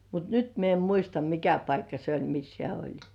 mutta nyt minä en muista mikä paikka se oli missä hän oli